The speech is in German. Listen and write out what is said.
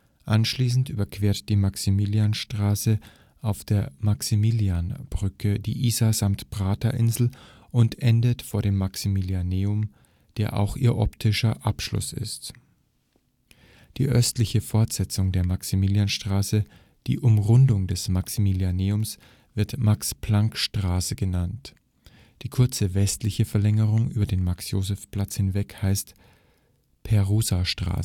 Anschließend überquert die Maximiliansstraße auf der Maximiliansbrücke die Isar samt Praterinsel und endet vor dem Maximilianeum, das auch ihr optischer Abschluss ist. Die östliche Fortsetzung der Maximilianstraße, die „ Umrundung “des Maximilianeums, wird Max-Planck-Straße genannt. Die kurze westliche Verlängerung über den Max-Joseph-Platz hinweg heißt Perusastraße